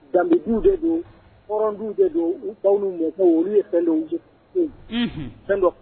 Danbe don hɔrɔn de don u mɔ olu ye fɛn fɛn dɔ